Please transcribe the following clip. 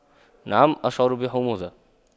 نعم أشعر بحموضة